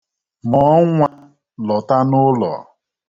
Mụọ nnwa lọta n'ụlọ!